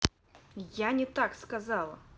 я не так сказала